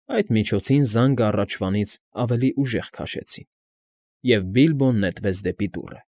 Այդ միջոցին զանգը առաջվանից ավելի ուժեղ քաշեցին, և Բիլբոն նետվեց դեպի դուռը։